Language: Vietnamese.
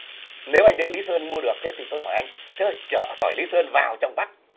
nếu anh đến lý sơn anh mua được thế thì tôi hỏi anh thế chở tỏi lý sơn vào trong bắc